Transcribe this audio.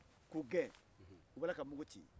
k'u gɛn u b'ala ka mungu ci